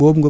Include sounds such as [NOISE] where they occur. [HESITATION] [HESITATION]